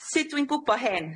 Sut dwi'n gwbo hyn?